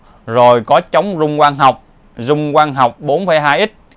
rồi có chống rung quang học zoom quang học x